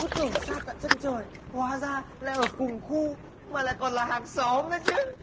cứ tưởng xa tận chân trời hóa ra lại ở cùng khu mà lại còn là hàng xóm nữa chứ